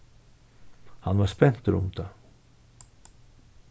hann var spentur um tað